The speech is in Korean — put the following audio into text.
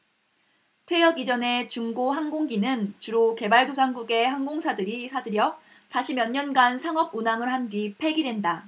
퇴역 이전의 중고 항공기는 주로 개발도상국의 항공사들이 사들여 다시 몇년간 상업운항을 한 뒤 폐기된다